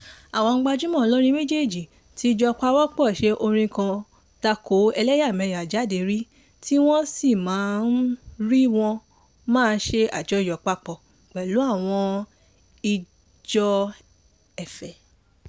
Àwọn gbajúmò olórin méjèèjì ti jọ pawọ́pọ̀ ṣe orin kan tako ẹlẹ́yàmẹ̀yà jáde rí tí wọ́n sì máa ń rí wọn máa ṣe àjọyọ̀ papọ pẹ̀lú àwọn ìjọ ẹ̀fẹ̀.